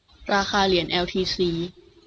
ราคาเหรียญแอลทีซี